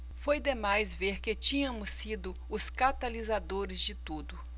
foi demais ver que tínhamos sido os catalisadores de tudo